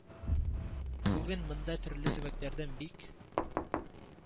Бүген монда төрле төбәкләрдән бик